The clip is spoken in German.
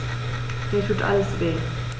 Mir tut alles weh.